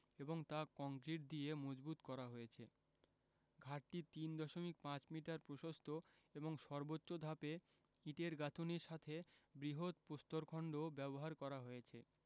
এবং তা কংক্রিট দিয়ে মজবুত করা হয়েছে ঘাটটি ৩ দশমিক ৫ মিটার প্রশস্ত এবং সর্বোচ্চ ধাপে ইটের গাঁথুনীর সাথে বৃহৎ প্রস্তরখন্ডও ব্যবহার করা হয়েছে